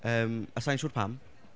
Yym a sa i'n siwr pam.